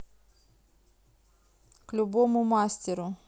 к любому мастеру